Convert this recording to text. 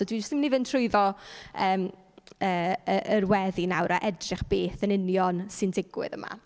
Dwi jyst yn mynd i fynd trwyddo , yym yy yy, yr weddi nawr a edrych beth yn union sy'n digwydd yma.